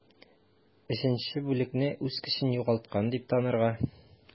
3 бүлекне үз көчен югалткан дип танырга.